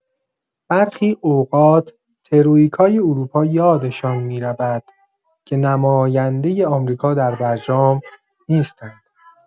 برخی اوقات تروئیکای اروپا یادشان می‌رود که نماینده آمریکا در برجام نیستند.